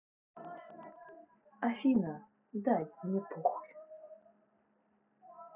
афина дай мне похуй